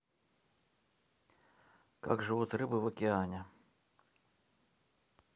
как живут рыбы в океане